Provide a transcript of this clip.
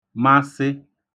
masị